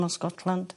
...o Scotland.